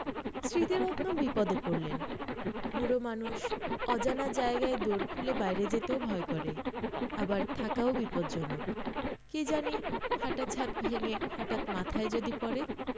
স্মৃতিরত্ন বিপদে পড়লেন বুড়ো মানুষ অজানা জায়গায় দোর খুলে বাইরে যেতেও ভয় করে আবার থাকাও বিপজ্জনক কি জানি ফাটা ছাত ভেঙ্গে হঠাৎ মাথায় যদি পড়ে